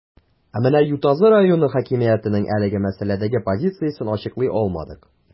Ә менә Ютазы районы хакимиятенең әлеге мәсьәләдәге позициясен ачыклый алмадык.